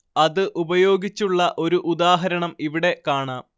അത് ഉപയോഗിച്ചുള്ള ഒരു ഉദാഹരണം ഇവിടെ കാണാം